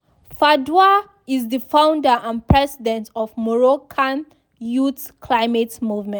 Fadoua is the founder and president of the Moroccan Youth Climate Movement.